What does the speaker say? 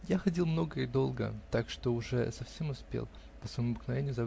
Я ходил много и долго, так что уже совсем успел, по своему обыкновению